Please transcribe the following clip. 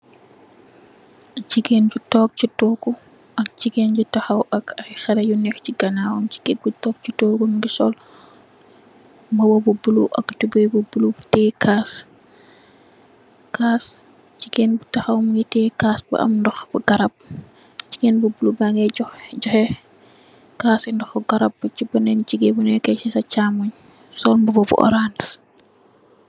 jigeen ju tog ci togu ak jigeen ju tahaw ak ay haleh yu nekk ci ganawam jigeen ji toog ci togu mungi sol ak mbuba bu bulo ak tubey bu bulo tee Kas Kas jigeen bu takhaw mungi tee Kas bu am ndoh bu garap jigeen bobu bangeh joheh Kas ndohu garap bi benen jigeen bunekeh sa chamonj sol mbuba bu orange